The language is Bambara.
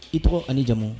I tɔgɔ ani ni jamu